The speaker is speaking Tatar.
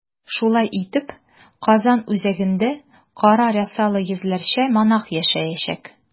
Шулай итеп, Казан үзәгендә кара рясалы йөзләрчә монах яшәячәк.